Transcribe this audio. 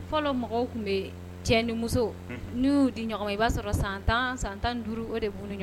Fɔlɔ mɔgɔw tun bɛ cɛ nimuso n' di ɲɔgɔn i b'a sɔrɔ san tan san tan duuru o de bolo ɲɔgɔn